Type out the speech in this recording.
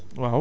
waaw